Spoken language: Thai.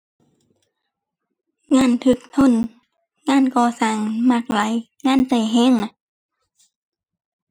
งานถึกทน งานก่อสร้างนี่มักหลาย งานใช้ใช้น่ะ